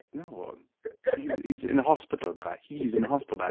No, he's in a hospital be- he's in a hospital bed.